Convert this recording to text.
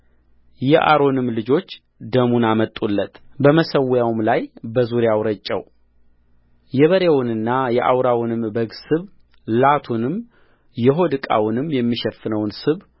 የአሮንም ልጆች ደሙን አመጡለትበመሠዊያውም ላይ በዙሪያው ረጨው የበሬውንና የአራውንም በግ ስብ ላቱንም የሆድ ዕቃውንም የሚሸፍነውን ስብ